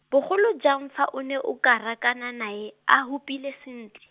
bogolo jang fa o ne o ka rakana nae, a hupile sentle.